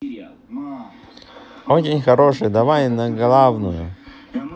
очень хорошо давай на главную